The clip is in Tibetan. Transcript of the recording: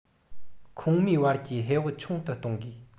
ཁོངས མིའི བར གྱི ཧེ བག ཆུང དུ གཏོང བ